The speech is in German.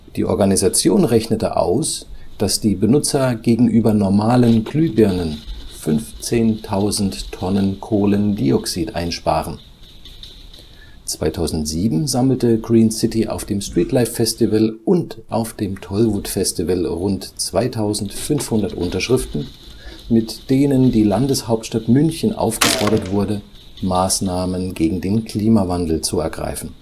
Die Organisation rechnete aus, dass die Benutzer gegenüber normalen Glühbirnen 15.000 Tonnen Kohlendioxid einsparen. 2007 sammelte Green City auf dem Streetlife Festival und auf dem Tollwood-Festival rund 2.500 Unterschriften, mit denen die Landeshauptstadt München aufgefordert wurde, Maßnahmen gegen den Klimawandel zu ergreifen